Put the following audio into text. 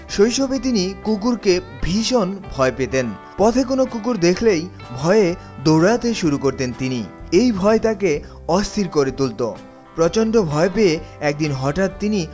শৈশবে তিনি কুকুরকে ভীষণ ভয় পেতেন পথে কোনো কুকুর দেখলেই ভয়ে দৌড়াতে শুরু করতেন তিনি এই ভয় তাকে অস্থির করে তুলতো প্রচন্ড ভয় পেয়ে একদিন হঠাৎ তিনি